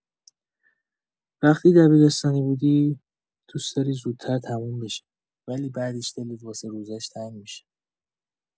وقتی دبیرستانی بودی، دوست‌داری زودتر تموم بشه ولی بعدش دلت واسه روزاش تنگ می‌شه.